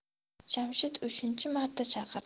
jamshid uchinchi marta chaqirdi